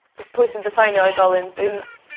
P- pwy sy'n definio oedolyn dwi'n